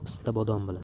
pista bodom bilan